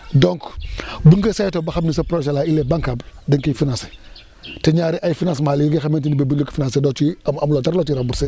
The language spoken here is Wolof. donc buñ ko saytoo ba xam ni ce projet là :dra il est banquable dañ koy financé te ñaare ay financements la yi nga xamante ni bii buñ la ko financé doo ci am amulmoo dara loo ciy remboursé